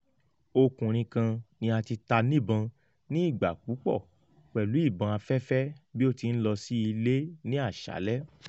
Ọkunrin kan ni a ti ta nibọn ni igba pupọ pẹlu ibọn afẹfẹ bi o ti nlọ si ile ni aṣalẹ.